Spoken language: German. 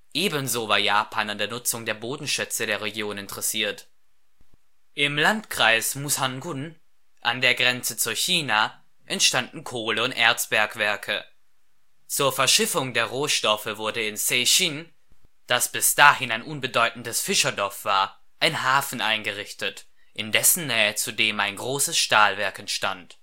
Ebenso war Japan an der Nutzung der Bodenschätze der Region interessiert. Im Landkreis Musan-gun an der Grenze zu China entstanden Kohle - und Erzbergwerke. Zur Verschiffung der Rohstoffe wurde in Seishin, das bis dahin ein unbedeutendes Fischerdorf war, ein Hafen eingerichtet, in dessen Nähe zudem ein großes Stahlwerk entstand